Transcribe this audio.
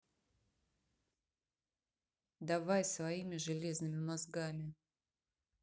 давай своими железными мозгами